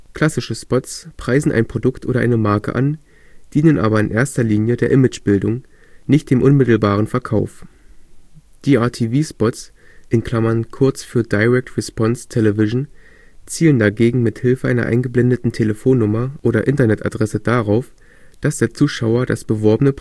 Klassische Spots preisen ein Produkt oder eine Marke an, dienen aber in erster Linie der Image-Bildung, nicht dem unmittelbaren Verkauf. DRTV-Spots (kurz für „ Direct Response Television “) zielen dagegen mithilfe einer eingeblendeten Telefonnummer oder Internet-Adresse darauf dass der Zuschauer das beworbene Produkt